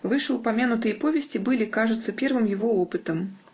Вышеупомянутые повести были, кажется, первым его опытом.